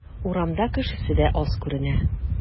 Урамда кешесе дә аз күренә.